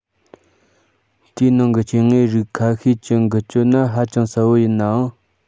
དེའི ནང གི སྐྱེ དངོས རིགས ཁ ཤས ཀྱི འགུལ སྐྱོད ནི ཧ ཅང གསལ པོ ཡིན ནའང